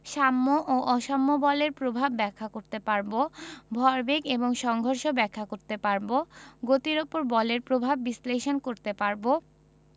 সাম্য ও অসাম্য বলের প্রভাব ব্যাখ্যা করতে পারব ভরবেগ এবং সংঘর্ষ ব্যাখ্যা করতে পারব গতির উপর বলের প্রভাব বিশ্লেষণ করতে পারব